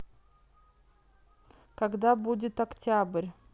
когда будет октябрь